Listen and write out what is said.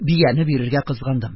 Бияне бирергә кызгандым.